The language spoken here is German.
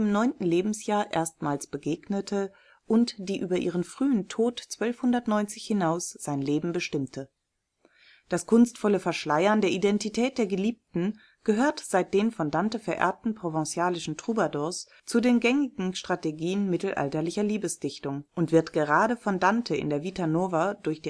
neunten Lebensjahr erstmals begegnete und die über ihren frühen Tod (1290) hinaus sein Leben bestimmte. Das kunstvolle Verschleiern (provenzalisch velar) der Identität der Geliebten gehört seit den von Dante verehrten provenzalischen Trobadors zu den gängigen Strategien mittelalterlicher Liebesdichtung und wird gerade von Dante in der Vita Nova durch